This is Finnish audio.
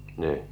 niin